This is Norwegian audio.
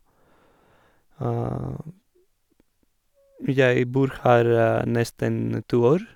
Jeg bor her nesten to år.